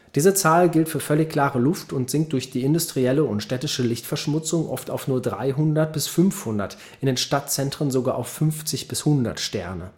Diese Zahl gilt für völlig klare Luft und sinkt durch die industrielle und städtische Lichtverschmutzung oft auf nur 300 – 500, in den Stadtzentren sogar auf 50 – 100 Sterne